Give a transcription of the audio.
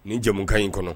Ni jamukan in kɔnɔ